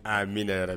A minyara